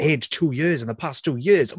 ...aged two years in the past two years!